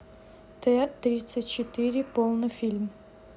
т тридцать четыре полный фильм